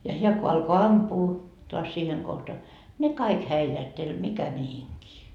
ja hän kun alkoi ampua taas siihen kohta ne kaikki häilähteli mikä mihinkin